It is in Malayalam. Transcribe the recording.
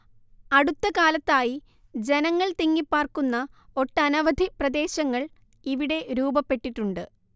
അടുത്തകാലത്തായി ജനങ്ങൾ തിങ്ങിപ്പാർക്കുന്ന ഒട്ടനവധി പ്രദേശങ്ങൾ ഇവിടെ രൂപപ്പെട്ടിട്ടുണ്ട്